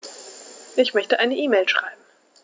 Ich möchte eine E-Mail schreiben.